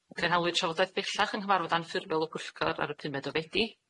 Cynhaliwyd trafodaeth bellach yng nghyfarfod anffurfiol y pwyllgor ar y pumed o Fedi,